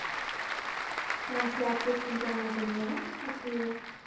трансляция чемпионата мира по хоккею